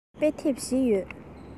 ང ལ དཔེ དེབ བཞི ཡོད